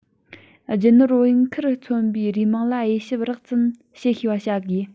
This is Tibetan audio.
རྒྱུ ནོར བུན འཁུར མཚོན པའི རེའུ མིག ལ དབྱེ ཞིབ རོབ ཙམ བྱེད ཤེས པ བྱ དགོས